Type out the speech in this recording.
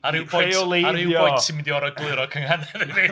Rheoleiddio!... Ar ryw bwynt ti'n mynd i orfod egluro cynghanedd i fi .